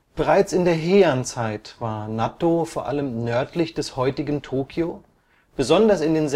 Bereits in der Heian-Zeit war Nattō vor allem nördlich des heutigen Tokyo, besonders in